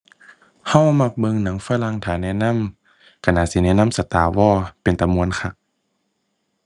เรามักเบิ่งหนังฝรั่ง ถ้าแนะนำเราน่าสิแนะนำ Star Wars เป็นตาม่วนคัก